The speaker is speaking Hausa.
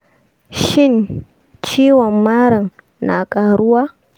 shin ciwon marar na karuwa.